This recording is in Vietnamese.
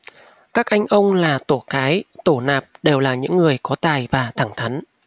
các anh ông là tổ cái tổ nạp đều là những người có tài và thẳng thắn